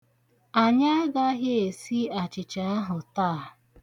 Anyị agaghị esi achịcha ahụ taa.